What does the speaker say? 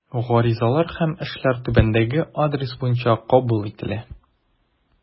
Гаризалар һәм эшләр түбәндәге адрес буенча кабул ителә.